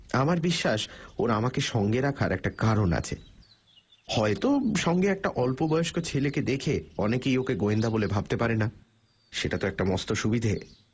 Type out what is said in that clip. আমার বিশ্বাস ওর আমাকে সঙ্গে রাখার একটা কারণ আছে হয়তো সঙ্গে একটা অল্পবয়স্ক ছেলেকে দেখে অনেকেই ওকে গোয়েন্দা বলে ভাবতে পারে না সেটা তো একটা মস্ত সুবিধে